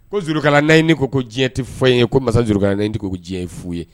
Ko Zulukalanahini ko diɲɛ tɛ fɔyi ye, ko masa Zulukalanahini ko diɲɛ ye fu ye